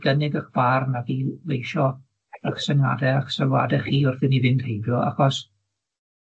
gynnig 'ych barn ag i leisio 'ych syniade a'ch sylwade chi wrth i ni fynd heibio, achos